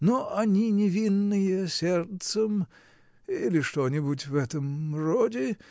но одни невинные сердцем, -- или что-нибудь в этом роде.